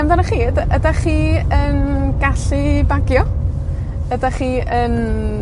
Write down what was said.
amdanach chi? Yda- ydach chi yn gallu bagio? Ydach chi yn